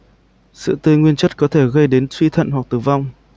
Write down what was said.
sữa tươi nguyên chất có thể gây đến suy thận hoặc tử vong